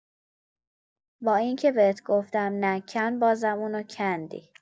با اینکه بهت گفتم نکن بازم اونو کندی